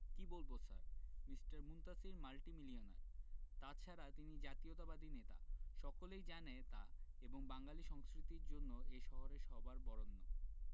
কি বলব sir Mr Muntasir multimillionaire তাছাড়া তিনি জাতীয়তাবাদী নেতা সকলেই জানে তা এবং বাঙালী সংস্কৃতির জন্য এ শহরে সবার বরণ্য